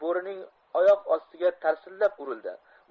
nimadir bo'rining oyoq ostiga tarsillab urildi